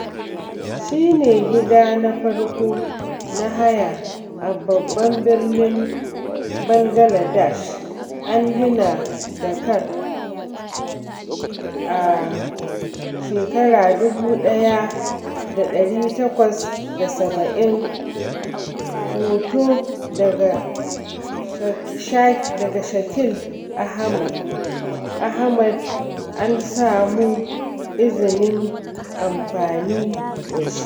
Shi ne gida na farko na haya a babban birnin Bangaladesh, an gina Dhaka a 1870. Hoto daga Shakil Ahmed, an samu izinin amfani da shi.